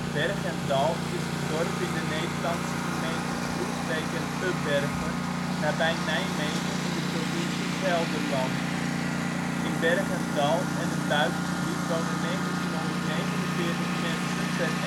Berg en Dal is een dorp in de Nederlandse gemeenten Groesbeek en Ubbergen, nabij Nijmegen in de provincie Gelderland. In Berg en Dal en het buitengebied wonen 1949 mensen (31-12-2004